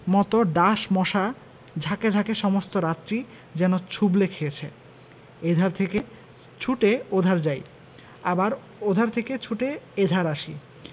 মত ডাঁশ মশা ঝাঁকে ঝাঁকে সমস্ত রাত্রি যেন ছুবলে খেয়েছে এধার থেকে ছুটে ওধার যাই আবার ওধার থেকে ছুটে এধারে আসি